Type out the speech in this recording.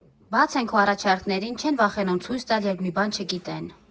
Բաց են քո առաջարկներին, չեն վախենում ցույց տալ, երբ մի բան չգիտեն»։